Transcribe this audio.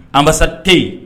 Anba tɛ yen